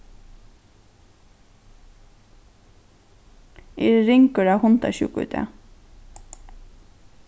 eg eri ringur av hundasjúku í dag